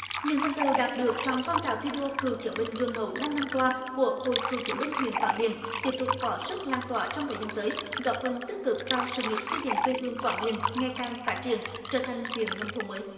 những thành tựu đạt được trong phong trào thi đua cựu chiến binh gương mẫu năm năm qua của hội cựu chiến binh huyện quảng điền tiếp tục có sức lan tỏa trong thời gian tới góp phần tích cực vào sự nghiệp xây dựng quê hương quảng điền ngày càng phát triển trở thành huyện nông thôn mới